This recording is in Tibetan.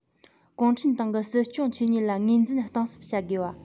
གུང ཁྲན ཏང གི སྲིད སྐྱོང ཆོས ཉིད ལ ངོས འཛིན གཏིང ཟབ བྱ དགོས བ